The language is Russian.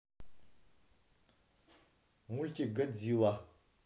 мультик годзилла